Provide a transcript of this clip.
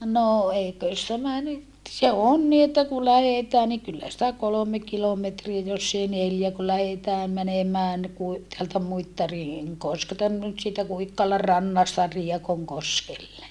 no eikös tämä nyt se on niin että kun lähdetään niin kyllä sitä kolme kilometriä jos ei neljä kun lähdetään menemään niin - täältä Muittarin Koskelta nyt siitä Kuikkalan rannasta Riekonkoskelle